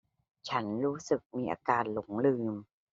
ฉันรู้สึกมีอาการหลงลืม